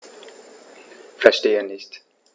Verstehe nicht.